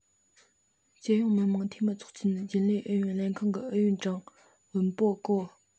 རྒྱལ ཡོངས མི དམངས འཐུས མིའི ཚོགས ཆེན རྒྱུན ལས ཨུ ཡོན ལྷན ཁང གི ཨུ ཡོན ཀྲང ཝུའུ པང གོ